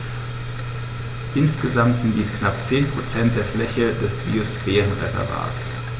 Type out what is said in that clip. Insgesamt sind dies knapp 10 % der Fläche des Biosphärenreservates.